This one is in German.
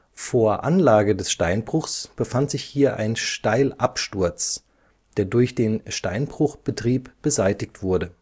Vor Anlage des Steinbruchs befand sich hier ein Steilabsturz, der durch den Steinbruchbetrieb beseitigt wurde